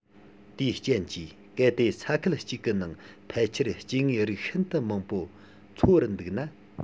དེའི རྐྱེན གྱིས གལ ཏེ ས ཁུལ གཅིག གི ནང ཕལ ཆེར སྐྱེ དངོས རིགས ཤིན ཏུ མང པོ འཚོ བར འདུག ན